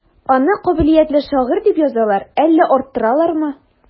Аны кабилиятле шагыйрь дип язалар, әллә арттыралармы?